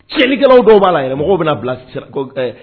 Tiɲɛlikɛlan dɔw b'a la yɛrɛ mɔgɔw bɛna bila sira ko o ɛ